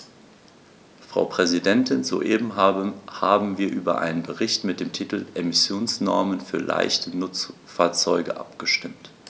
Frau Präsidentin, soeben haben wir über einen Bericht mit dem Titel "Emissionsnormen für leichte Nutzfahrzeuge" abgestimmt.